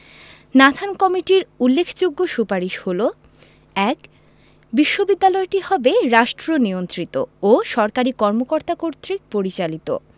Nathan কমিটির উল্লেখযোগ্য সুপারিশ হলো: ১. বিশ্ববিদ্যালয়টি হবে রাষ্ট্রনিয়ন্ত্রিত ও সরকারি কর্মকর্তা কর্তৃক পরিচালিত